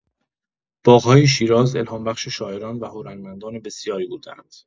باغ‌های شیراز الهام‌بخش شاعران و هنرمندان بسیاری بوده‌اند.